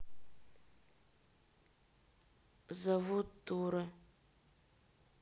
зовут дура